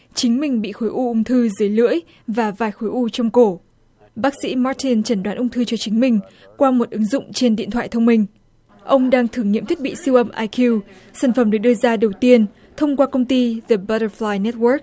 chính mình bị khối u ung thư dưới lưỡi và vài khối u trong cổ bác sĩ ma tin chuẩn đoán ung thư cho chính mình qua một ứng dụng trên điện thoại thông minh ông đang thử nghiệm thiết bị siêu âm ai ciu sản phẩm được đưa ra đầu tiên thông qua công ty dơ bắt tơ phờ lai nét guốc